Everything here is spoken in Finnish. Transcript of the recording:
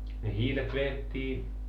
ne hiilet vedettiin